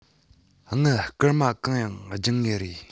དངུལ སྐར མ གང ཡང སྦྱིན ངེས རེད